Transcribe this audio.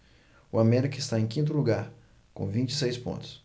o américa está em quinto lugar com vinte e seis pontos